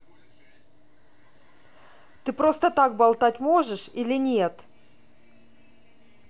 ты просто так болтать можешь или нет